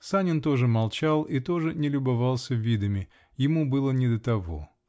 Санин тоже молчал и тоже не любовался видами: ему было не до того.